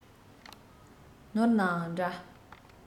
ནོར ནའང འདྲ